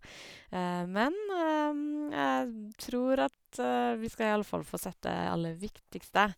Men jeg tror at vi skal i alle fall få sett det aller viktigste.